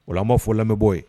Wala ma fɔ lamɛnbɔ ye